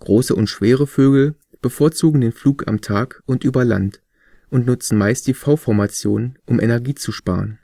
Große und schwere Vögel bevorzugen den Flug am Tag und über Land und nutzen meist die V-Formation, um Energie zu sparen.